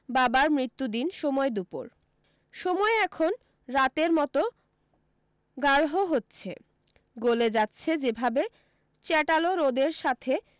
বাবার মৃত্যুদিন সময় দুপুর সময় এখন রাতের মতো গাড়হ হচ্ছে গলে যাচ্ছে যেভাবে চ্যাটালো রোদের সাথে